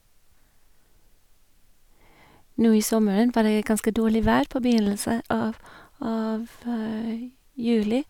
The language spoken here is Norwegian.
Nå i sommeren var det ganske dårlig vær på begynnelse av av juli.